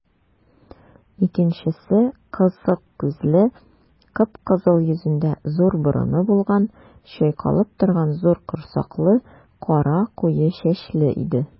Икенчесе кысык күзле, кып-кызыл йөзендә зур борыны булган, чайкалып торган зур корсаклы, кара куе чәчле иде.